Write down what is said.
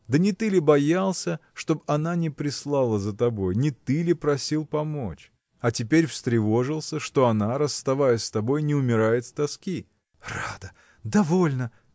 Да не ты ли боялся, чтоб она не прислала за тобой? не ты ли просил помочь? а теперь встревожился что она расставаясь с тобой не умирает с тоски. – Рада, довольна!